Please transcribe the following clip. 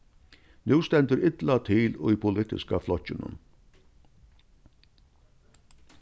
nú stendur illa til í politiska flokkinum